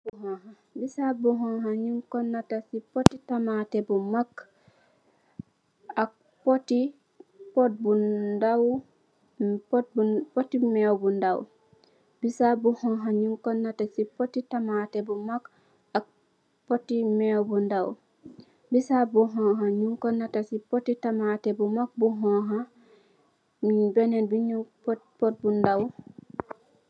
Bisap bu xonxa nyun ko nata si poteh tamate bo maag ak poti pot bu ndaw pot poti meew bu ndaw bisap bu xonxa nyun ko nata si poteh tamate bo maag am poti ak pooti meew bu ndaw bisap bu xonxa nyun ko nata si poteh tamate bo maag bo xonxa benen bi nyun fa pot bu ndaw.